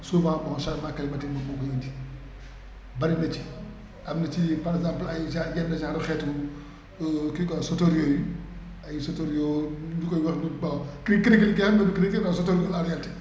souvent bon changements climatiques yi bokk nañ ci bari na ci am na ci par exemple ay genre yenn genre xeetu kii quoi sauterelles ay sauterelles ñu koy wax cri criquet criquet lañu koy wax mais du criquet sauterelles la en realité